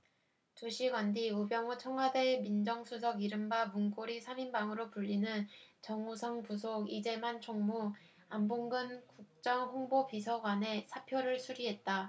두 시간 뒤 우병우 청와대 민정수석 이른바 문고리 삼 인방으로 불리는 정호성 부속 이재만 총무 안봉근 국정홍보비서관의 사표를 수리했다